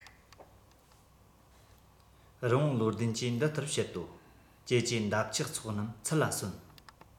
རི བོང བློ ལྡན གྱིས འདི ལྟར བཤད དོ ཀྱེ ཀྱེ འདབ ཆགས ཚོགས རྣམས ཚུར ལ གསོན